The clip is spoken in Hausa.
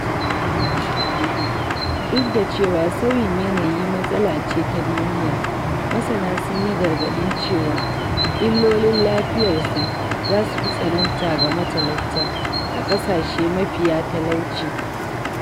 Duk da cewa sauyin yanayi matsala ce ta duniya, masana sun yi gargaɗin cewa illolin lafiyarsa za su fi tsanani ga matalauta a ƙasashe mafiya talauci.